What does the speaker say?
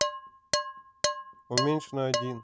уменьш на один